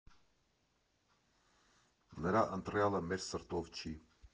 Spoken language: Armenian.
Նրա ընտրյալը մեր սրտով չի։